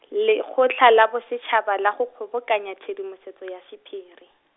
Lekgotla la Bosetšhaba la Kgobokanya Tshedimosetso ya Sephiri.